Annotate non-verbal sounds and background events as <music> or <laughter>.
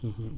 <hesitation> <hesitation>